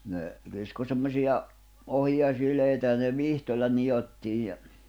ne kiskoi semmoisia ohia sileitä ja ne vitsoilla nidottiin ja